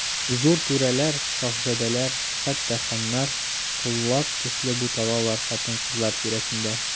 Зур түрәләр, шаһзадәләр, хәтта ханнар, коллар төсле буталалар хатын-кызлар тирәсендә.